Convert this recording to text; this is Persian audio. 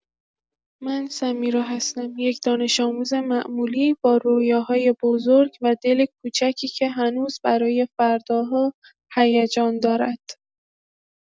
من سمیرا هستم، یک دانش‌آموز معمولی، با رویاهای بزرگ و دل کوچکی که هنوز برای فرداها هیجان دارد.